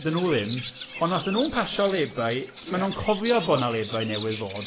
'Dyn nhw ddim, ond os 'dyn nhw'n pasio layby, maen nhw'n... ie. ...cofio bod na layby newydd fod.